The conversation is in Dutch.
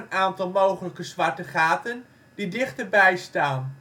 aantal mogelijke zwarte gaten die dichterbij staan